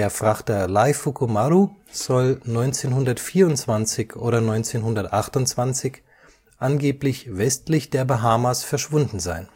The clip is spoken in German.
Frachter Raifuku Maru (jap. 來福丸) soll 1924 oder 1928 angeblich westlich der Bahamas verschwunden sein